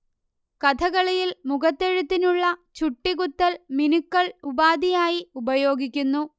കഥകളിയിൽ മുഖത്തെഴുത്തിനുള്ള ചുട്ടികുത്തൽ മിനുക്കൽ ഉപാധിയായി ഉപയോഗിക്കുന്നു